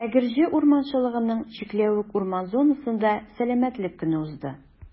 Әгерҗе урманчылыгының «Чикләвек» урман зонасында Сәламәтлек көне узды.